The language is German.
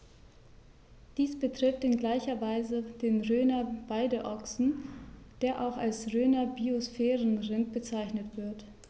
Dies betrifft in gleicher Weise den Rhöner Weideochsen, der auch als Rhöner Biosphärenrind bezeichnet wird.